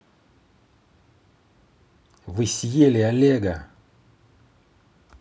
вы съели олега